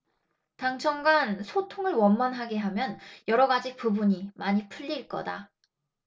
당청간 소통을 원만하게 하면 여러가지 부분이 많이 풀릴거다